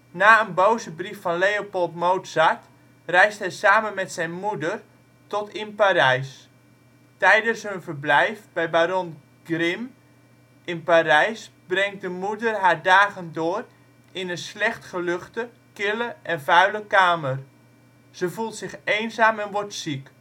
Na een boze brief van Leopold Mozart, reist hij samen met zijn moeder tot in Parijs. Tijdens hun verblijf bij baron Grimm in Parijs brengt de moeder haar dagen door in een slecht geluchte, kille en vuile kamer. Ze voelt zich eenzaam en wordt ziek